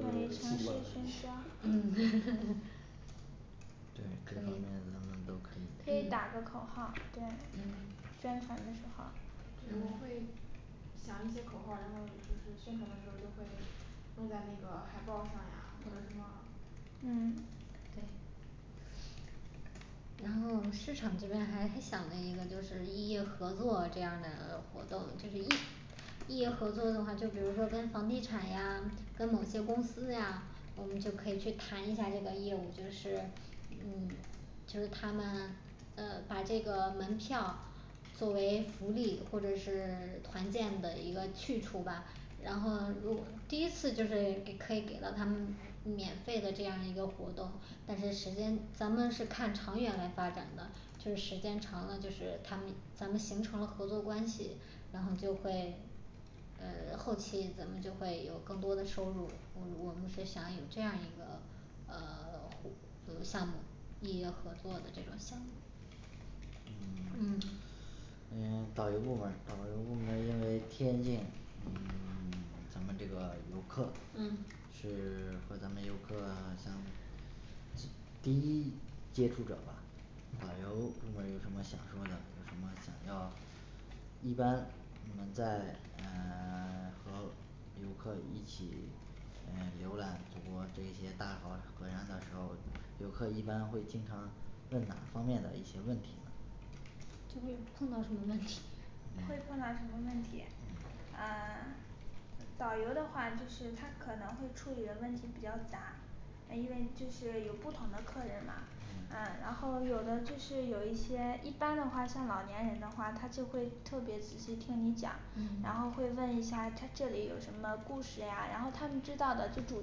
远离城市新冠瘟喧嚣疫嗯 对这方面咱们都可以可以打个口号儿对宣传的时候儿对我会想一些口号儿然后就是宣传的时候儿就会弄在那个海报儿上呀或者什么嗯对然后市场这边还是想了一个就是异业合作这样儿的活动就是异异业合作的话就比如说跟房地产呀跟某些公司呀我们就可以去谈一下这个业务就是嗯就是他们呃把这个门票作为福利或者是 团建的一个去处吧然后如第一次就是给可以给到他们免费的这样一个活动但是时间咱们是看长远来发展的就时间长了就是他们咱们形成了合作关系然后就会嗯后期咱们就会有更多的收入我我们这边想有这样儿一个呃 就是项目异业合作的这个项目嗯嗯 嗯 导游部门儿导游部门儿因为贴近嗯 咱们这个游客嗯是 和咱们游客相第一接触者吧导游部门儿有什么想说的有什么想要一般你们在嗯 和游客一起嗯浏览比如说这些大的时候游客一般会经常问哪方面的一些问题呢就会碰到什么问题会嗯碰到什么问题啊 导游的话就是他可能会处理的问题比较杂呃因为就是有不同的客人嘛啊然后有的就是有一些一般的话像老年人的话他就会特别仔细听你讲然嗯后会问一下它这里有什么故事呀然后他们知道的就主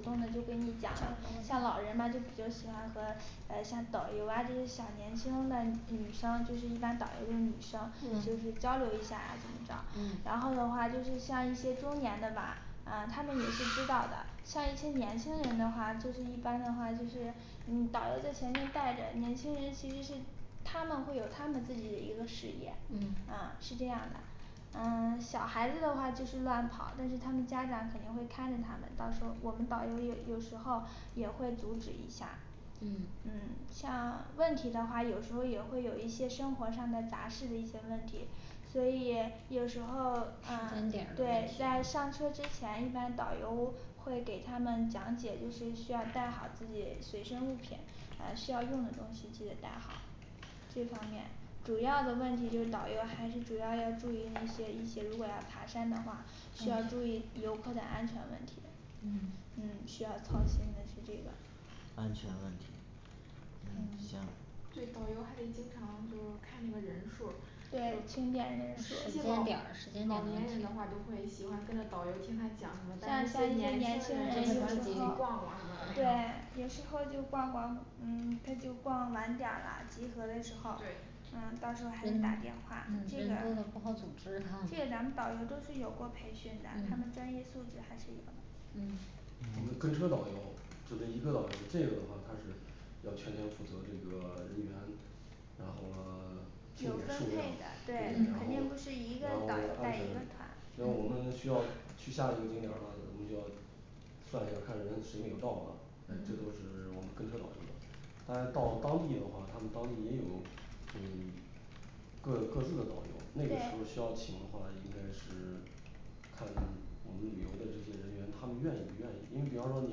动的就跟你讲像老人们就比较喜欢和呃像导游啊这些小年轻的女女生就是一般导游的女生就嗯是交流一下啊怎么着然嗯后的话就是像一些中年的吧啊他们也是知道的像一些年轻人的话就是一般的话就是你导游在前面带着年轻人其实是他们会有他们自己的一个视野嗯啊是这样的嗯 小孩子的话就是乱跑但是他们家长肯定会看着他们到时候儿我们导游也 有时候也会阻止一下嗯嗯像问题的话有时候儿也会有一些生活上的杂事的一些问题所以有时候时啊间点儿的问对题在上车之前一般导游会给他们讲解就是需要带好自己随身物品啊需要用的东西记得带好这方面主要的问题就是导游还是主要要注意那些一些如果要爬山的话需要注意游客的安全问题嗯嗯需要操心的是这个安全问题嗯行对导游还得经常就是看那个人数儿对他们时间清点点人儿就那些数时间点老的老年问人题的话就会喜欢跟着导游听他讲什么但像一些像一些年年轻轻人人就有喜就时会候欢自自己己逛逛儿逛啊什么的对对有时候就逛逛嗯他就逛晚点儿啦集合的时候儿嗯到时候还得嗯打电话嗯这个人多了不好组织哈这个咱们导游都是有过培训的他们嗯专业素质还是有嗯我们跟车导游就这一个导游这个的话他是要全权负责这个人员然后了 有清点分数量配的对对对然后然肯嗯定不是一个导游后安带一全个团那我们需要去下一个景点儿了我们就要算一下儿看人谁没有到嘛诶这都嗯是我们跟车导游的但是到当地的话他们当地也有嗯各各自的导游那个时候儿对需要请的话应该是 看我们旅游的这些人员他们愿意不愿意因为比方说你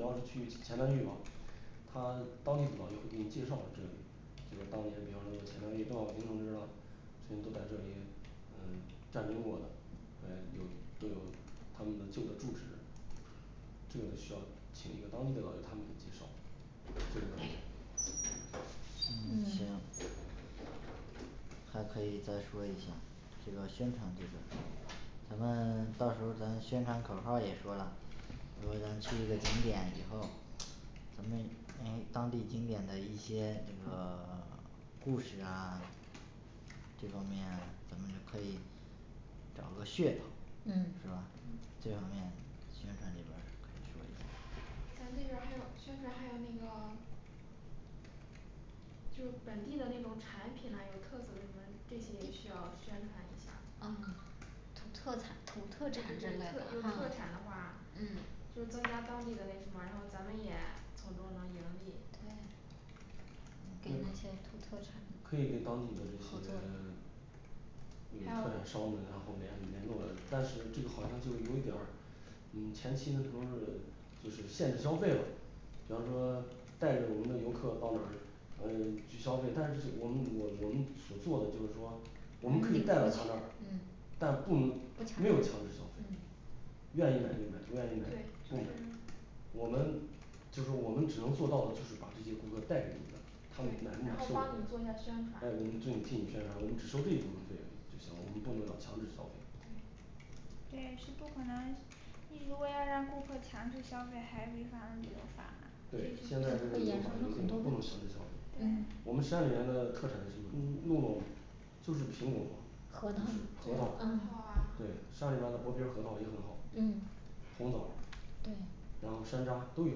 要是去前南峪吧他当地导游会给你介绍这里就当年比方说的前南峪邓小平同志了曾经都在这里嗯战争过的有都有他们的旧的住址这个得需要请一个当地的导游他们给介绍这个是嗯行嗯还可以再说一下儿这个宣传这边儿咱们 到时候儿咱宣传口号儿也说了之后呢去一个景点以后咱们那当地景点的一些那个 故事啊这方面咱们就可以找个噱头是嗯吧嗯这方面宣传这边儿是可以说一下咱这边儿还有宣传还有那个就是本地的那种产品啦有特色什么这些也需要宣传一下儿啊土特对对对产土特特产什么有的特产的啊话就增加当地的那什么然后咱们也从中能盈利对给那那些土特产可可以给当地的这合作些 嗯还特产有商们然后联联络但是这个好像就有一点儿嗯前期的时候儿呃就是限制消费啦比方说带着我们的游客到哪儿嗯去消费但是这我们我我们能所做的就是说我们可以带到他那儿嗯但不能不强没求有强制消费嗯愿意买就买不愿对意买就就不是买我们就是我们只能做到就是把这些顾客带给你们他们买对不然买是后你帮你做一下宣们哎传我们自己替你宣传我们只收这一部分费用就行了我们不能要强制消费对对是不可能你如果要让顾客强制消费还违反了旅游法呢对现在这个旅游法已经定了不能强制消费嗯对我们山里面的特产是什么嗯弄过吗就是苹果嘛核就是核桃对桃嗯啊对山里边的薄皮儿核桃也很好嗯红枣儿对然后山楂都有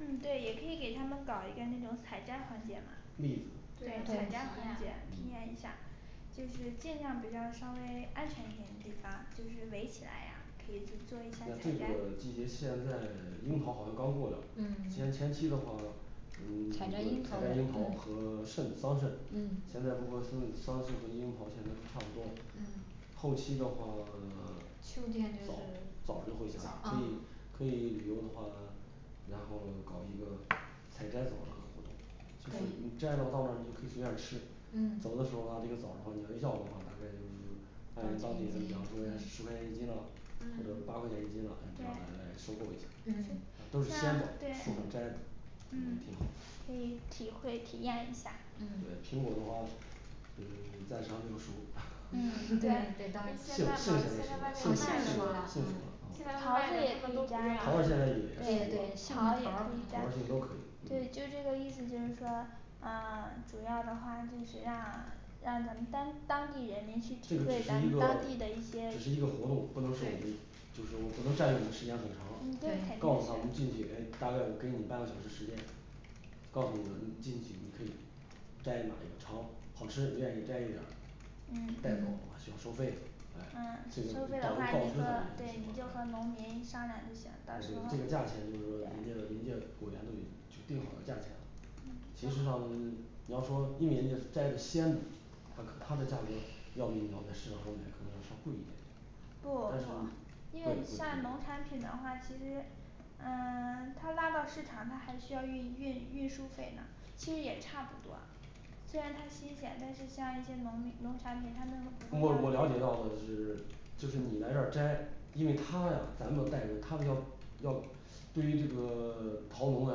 嗯对也可以给他们搞一个那种采摘环节嘛栗子对让采摘他环们体节验体嗯验一下就是尽量比较稍微安全一点的地方就是围起来呀可以去做一下那这采摘个季节现在 樱桃好像刚过来嗯先前期的话嗯 有个采采摘摘樱樱桃桃和葚桑葚嗯现在不过葚桑葚和樱桃现在都差不多了嗯后期的话 秋天那些枣的枣儿就会下枣来儿所以啊可以旅游的话然后了搞一个采摘枣儿的活动就是可以你摘了到那儿你就可以随便儿吃走嗯的时候儿话这个枣儿的话你要的话大概就是按人当地人比方说人家十块钱一斤啦或嗯者八块钱一斤了按这样来对来收购一下儿嗯都是鲜像枣儿树对上摘的也嗯挺好可以体会体验一下对嗯苹果的话呃 暂时还没有熟 对嗯杏杏对就现在吗现在外面有卖的吗现在卖的他们都不对对现在熟了杏熟了杏熟了杏熟了啊桃桃儿现子在也也可熟以摘愿意啦去买对对杏了桃桃儿儿杏都可以对就这个意思就是说嗯啊主要的话就是让让咱们单 当地的人民去这个只是一个体会咱们当地的一些只是一个活动不能是我们对就说不能占用的时间很嗯长对告诉他们进去诶大概我给你半个小时时间告诉你了你进去你可以摘哪一尝好吃你愿意摘一点儿带走的话嗯需要收费的嗯哎这个收费的导游话告你知他们就行了啊啊和对你就和农民商量就行对到时候这个对价钱就是说人家人家果园都已就定好了价钱了嗯其实上 你要说因为人家摘的鲜的它可 它的价格要比你要在市场上买可能要稍贵一点不不但是贵因贵为你像农产贵品的话其实嗯 他拉到市场他还需要运运运输费呢其实也差不多虽然它新鲜但是像一些农民农产品他们我我了解到的是就是你来这儿摘因为他呀咱们带人他们要要对于这个 桃农来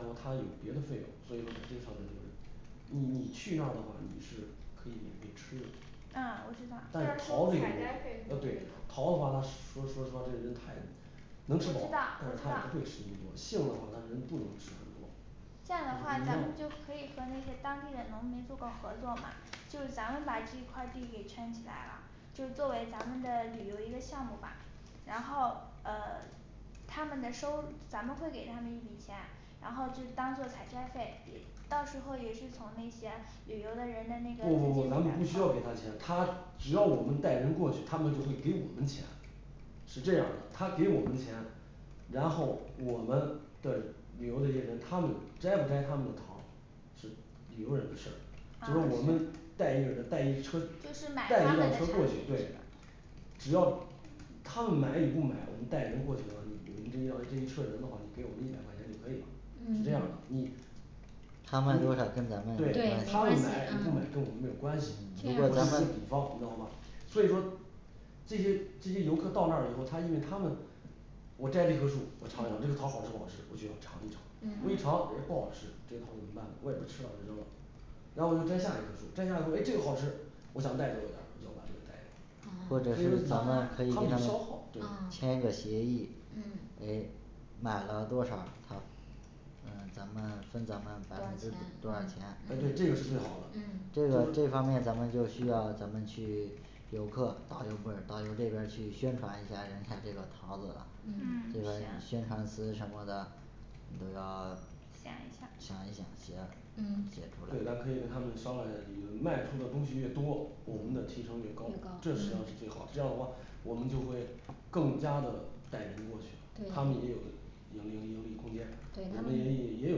说他有别的费用所以说在这上面儿就是你你去那儿的话你是可以免费吃啊我知道就是但是收桃采这个东西啊摘费什么这对桃儿的种话它是 说说实话这个人太能我知道吃饱但我是知他也不会吃道那么多杏儿的话他人不能吃很多这样的话咱们就可以和那些当地的农民做个合作嘛就是咱们把这块儿地给圈起来了就作为咱们的旅游一个项目吧然后呃他们的收咱们会给他们一笔钱然后就当做采摘费给到时候也是从那些旅游的人的那个不不不咱们不需要给他钱他只要我们带人过去他们就会给我们钱是这样儿的他给我们钱然后我们的旅游这些人他们摘不摘他们的桃儿是旅游人的事儿啊就说我是们带一个人的带一车就是买带他一们辆的产车品过去对只要他们买与不买我们带人过去的话我们这一辆这一车人的话你给我们一百块钱就可以了是这样的嗯你你对他他们卖买与不多少跟咱们没有关系买跟我们没有关系这我就一个比样方你知道吧所以说这些这些游客到那儿以后他因为他们我摘了一棵树我尝一尝这个桃儿好吃不好吃我就要尝一尝我一嗯尝诶不好吃这个桃儿怎么办呢我也不吃了我就扔了然后我就摘下一棵树摘下一棵树诶这个好吃我想带走一点儿我就要把这个带啊啊或者走所以嗯是说他咱们们可以跟他有们消耗这个签一个协议诶买了多少桃儿嗯咱们分咱们百分之多多少钱少钱诶对这个是最好的嗯这个这方面咱们就需要咱们去游客导游不是导游这边儿去宣传一下人家这个桃子啦嗯嗯这个行宣传词什么的都要想想一下一想写写嗯出对咱来可以跟他们商量一下儿你们卖出的东西越多我们的提成越越高高这实际上是嗯最好的这样的话我们就会更加的带人过去了他们对也有盈利盈利空间我们也也有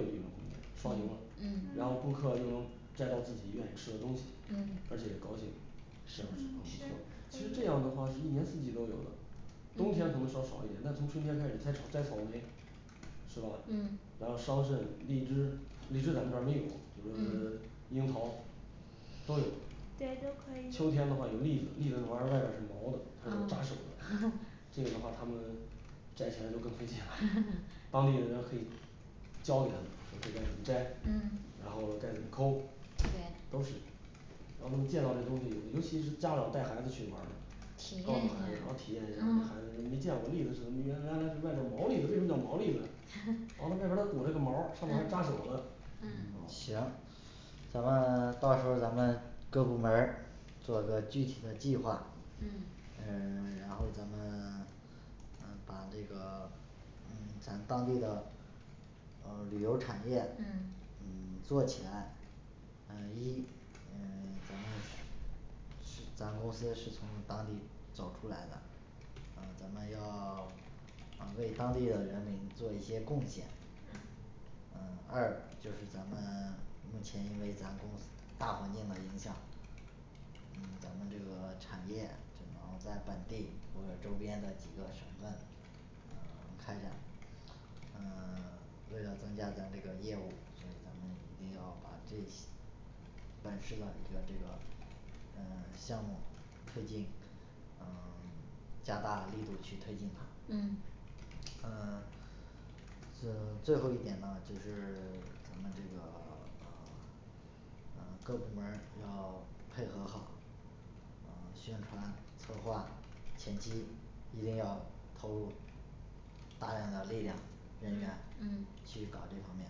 利润空间双赢了然后顾嗯嗯客又能摘到自己愿意吃的东西嗯而且也高兴这其样是很不错实其实这样的话是一年四季都有的冬天可能稍少一点但从春天开始摘吵 摘草莓是吧嗯然后桑葚荔枝荔枝咱们这儿没有就是嗯 樱桃都有对都可以秋天的话有栗子栗子那玩意儿外边儿是毛的它是扎手的这个的话他们摘起来就更费劲了 当地的人可以教给他们说这该怎么摘嗯然后该怎么扣都是对让他们见到这东西以后尤其是家长带孩子去玩儿的体告诉验一孩子然后下体验一下儿这孩子没见过栗子是什么原原来是外面毛儿栗子为什么叫毛儿栗子呢啊它外边儿它裹了个毛儿上面还扎手了行咱们 到时候儿咱们各部门儿做个具体的计划嗯呃 然后咱们 嗯把这个嗯咱当地的呃旅游产业嗯嗯 做起来呃一呃咱们是是咱公司是从当地走出来的呃咱们要 啊为当地的人民做一些贡献嗯嗯二就是咱们目前因为咱公大环境的影响嗯咱们这个产业只能在本地或者周边的几个省份呃开展呃 为了增加咱这个业务所以咱们一定要把这些本市的一个这个呃项目确进嗯 大力度去推进它嗯呃就最后一点呢就是 咱们这个 呃呃各部门儿要配合好呃宣传策划前期一定要投入大量的力量人员嗯嗯去搞这方面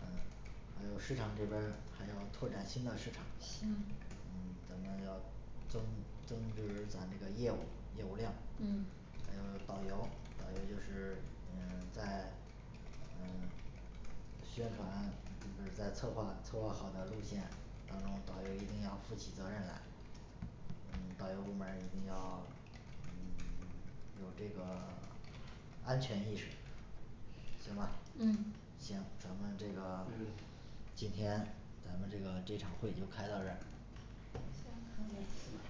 嗯还有市场这边儿还要拓展新的市场嗯行咱们要增增就是咱这个业务业务量嗯还有导游导游就是嗯在嗯宣传就是在策划策划好的路线当中导游一定要负起责任来嗯导游部门儿一定要嗯 有这个安全意识行吧嗯行咱们这个没问题今天咱们这个这场会就开到这儿好行是的的